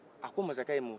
a ko masakɛ ye mun fɔ